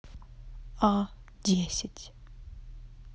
а десять